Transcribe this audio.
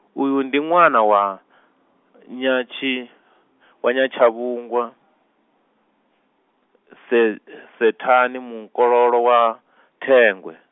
Uyu ndi ṅwana wa , Nyatshi-, wa Nyatshavhungwa, Swe-, Swethani mukololo wa, Thengwe.